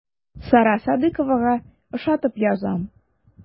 Сара Садыйковага ошатып язам.